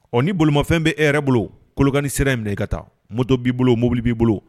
Ɔ ni bolomafɛn bɛ e yɛrɛ bolo kɔlɔkani sira minɛ na i ka taa moto b'i bolo mobili b'i bolo